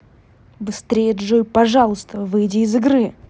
быстрее джой пожалуйста выйти из игры